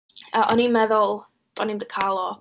Yy, o'n i'n meddwl o'n i'm 'di i cael o.